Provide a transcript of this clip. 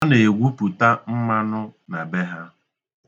A na-egwupụta mmanụ na be ha.